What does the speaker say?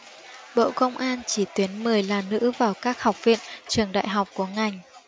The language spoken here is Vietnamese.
bộ công an chỉ tuyển mười là nữ vào các học viện trường đại học của ngành